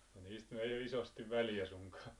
no niistä nyt ei ole isosti väliä suinkaan